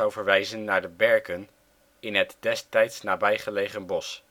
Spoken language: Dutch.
verwijzen naar de berken in het destijds nabijgelegen bos